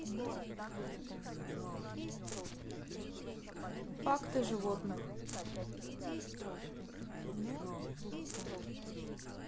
факты животных